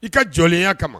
I ka jɔnya kama